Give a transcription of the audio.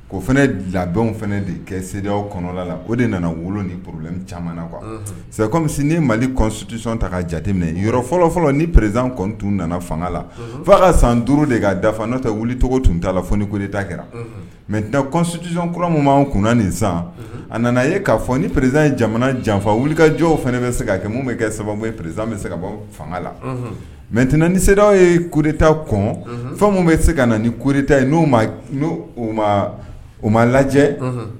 O fana labɛnw fana de kɛ sew kɔnɔla la o de nana wolo ni poro caman kan se ni maliti ta ka jateminɛ yɔrɔ fɔlɔfɔlɔ ni prez kɔntu nana fanga la fo'a ka san duuru de ka dafa n'o tɛ wuli tɔgɔ tun t taa la fo niurereeta kɛra mɛtti kura kunna nin san a nana ye k'a fɔ ni perez jamana janfa wulikajɔw fana bɛ se ka kɛ mun bɛ kɛ sababu pereriz bɛ se ka bɔ fanga la mɛten ni seraww yeureta kɔn fɛn bɛ se ka na nita u ma lajɛ